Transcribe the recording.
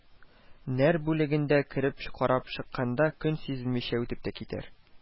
Нәр бүлегенә кереп карап чыкканда, көн сизелмичә үтеп тә китәр